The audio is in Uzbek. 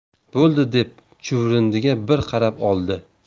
bo'ldi deb chuvrindiga bir qarab oldi